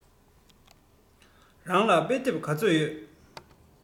རང ལ དཔེ དེབ ག ཚོད ཡོད